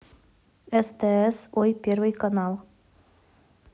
стс ой первый канал